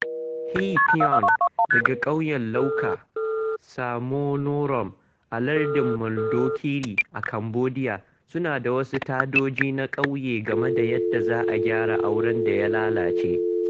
Hea Phoeun daga ƙauyen Laoka, Semonorom, a lardin Mondulkiri a Cambodiya suna da wasu tadoji na ƙauye game da yadda za a gyara auren da ya lalace.